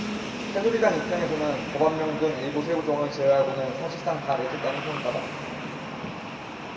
새누리당 입장에서는 법안명 등 일부 세부조항을 제외하고는 사실상 다 내줬다는 평가다